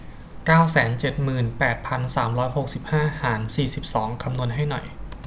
เก้าแสนเจ็ดหมื่นแปดพันสามร้อยหกสิบห้าหารสี่สิบสองคำนวณให้หน่อย